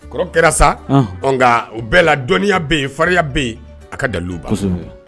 Kɔrɔ kɛra sa nkaga u bɛɛ la dɔnniya bɛ yen faririnya bɛ yen a ka daliluba